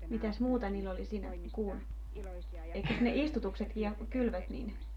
mitäs muuta niillä oli siinä kuun eikös ne istutuksetkin ja kylvöt niin